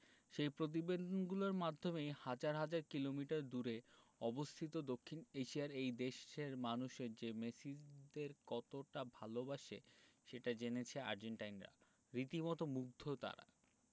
সেই প্রতিবেদনগুলোর মাধ্যমেই হাজার হাজার কিলোমিটার দূরে অবস্থিত দক্ষিণ এশিয়ার এই দেশের মানুষের যে মেসিদের কতটা ভালোবাসে সেটি জেনেছে আর্জেন্টাইনরা রীতিমতো মুগ্ধ তাঁরা